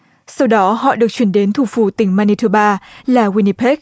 sau đó họ được chuyển đến thủ phủ tỉnh man ni tu ba là guyn ni pếch